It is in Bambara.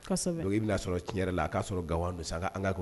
Bɛna sɔrɔ tiɲɛ yɛrɛ la a'a sɔrɔ ganwa don sa ka